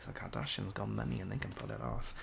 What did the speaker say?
cause the Kardashians got money and they can pull it off.